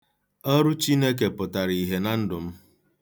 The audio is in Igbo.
Ọrụ Chineke pụtara ihie na ndụ m.